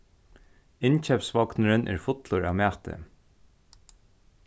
innkeypsvognurin er fullur av mati